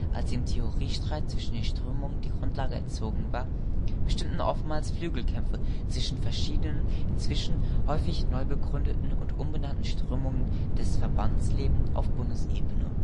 als dem Theoriestreit zwischen den Strömungen die Grundlage entzogen war, bestimmten oftmals Flügelkämpfe zwischen verschiedenen, inzwischen häufig neugegründeten und umbenannten Strömungen, das Verbandsleben auf Bundesebene